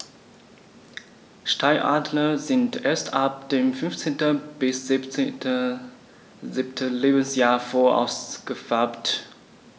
Steinadler sind erst ab dem 5. bis 7. Lebensjahr voll ausgefärbt.